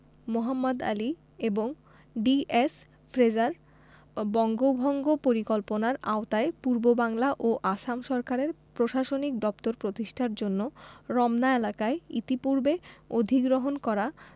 মোহাম্মদ আলী এবং D S. Fraser বঙ্গভঙ্গ পরিকল্পনার আওতায় পূর্ববাংলা ও আসাম সরকারের প্রশাসনিক দপ্তর প্রতিষ্ঠার জন্য রমনা এলাকায় ইতিপূর্বে অধিগ্রহণ করা